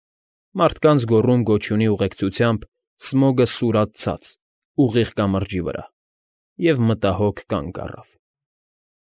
Մարդկանց գոռում֊գոչյունի ուղեկցությամբ Սմոգը սուրաց ցած, ուղիղ կամրջի վրա, և մտահոգ կանգ առավ։